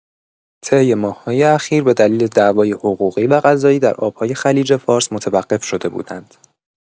طی ماه‌های اخیر به دلیل دعوای حقوقی و قضایی در آب‌های خلیج‌فارس متوقف‌شده بودند.